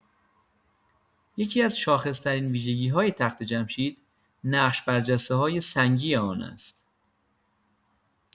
یکی‌از شاخص‌ترین ویژگی‌های تخت‌جمشید، نقش‌برجسته‌های سنگی آن است.